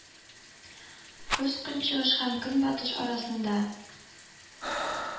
Русь Көнчыгыш һәм Көнбатыш арасында